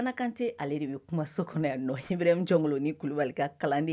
Fanakante ale de bɛ kuma so kɔnɔ yan nɔ hb jɔnkolon ni kulubali ka kalan